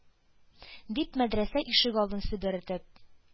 Дип, мәдрәсә ишек алдын себертеп,